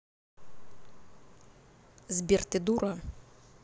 сбер ты дура